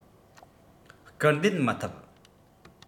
སྐུལ འདེད མི ཐུབ